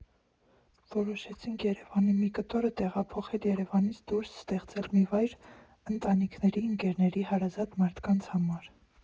Որոշեցինք Երևանի մի կտորը տեղափոխել Երևանից դուրս, ստեղծել մի վայր ընտանիքների, ընկերների, հարազատ մարդկանց համար։